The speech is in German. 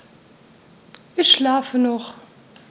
Ich schlafe noch.